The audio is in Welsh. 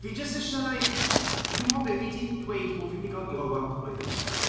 Fi jyst isie like chimod be fi 'di dweud bod fi'n mynd i gael glow up blwyddyn yma.